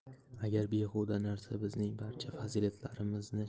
agar behuda narsa bizning barcha fazilatlarimizni